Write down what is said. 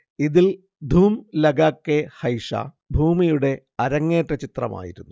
ഇതിൽ ധൂം ലഗ കെ ഹൈഷ ഭൂമിയുടെ അരങ്ങേറ്റ ചിത്രമായിരുന്നു